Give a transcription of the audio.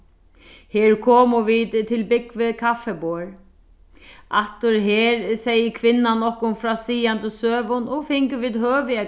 her komu vit til búgvið kaffiborð aftur her segði kvinnan okkum frá sigandi søgum og fingu vit høvi at